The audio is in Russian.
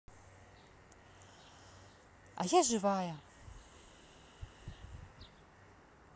а я живая